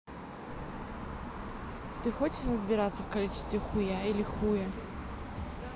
ты хочешь разбираться в количестве хуя или хуя